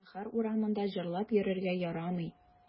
Шәһәр урамында җырлап йөрергә ярамый.